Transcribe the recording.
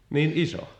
niin iso